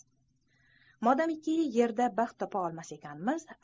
modomiki yerda baxt topa olmas ekanmiz